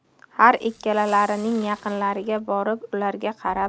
har ikkilarining yaqinlariga borib ularga qarab